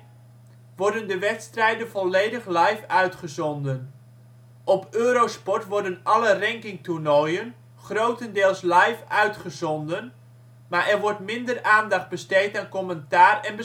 worden de wedstrijden volledig live uitgezonden. Op Eurosport worden alle rankingtoernooien, grotendeels live uitgezonden, maar er wordt minder aandacht besteed aan commentaar en